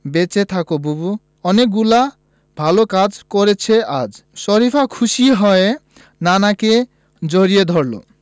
বেঁচে থাকো বুবু অনেকগুলো ভালো কাজ করেছ আজ শরিফা খুশি হয়ে নানাকে জড়িয়ে ধরল